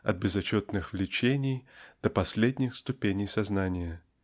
от безотчетных влечений до последних ступеней сознания"